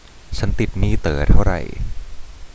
ฉันติดหนี้เต๋อเท่าไร